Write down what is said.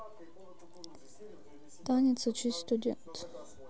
танец учись студент